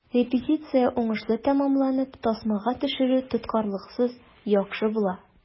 Репетиция уңышлы тәмамланып, тасмага төшерү тоткарлыксыз яхшы була.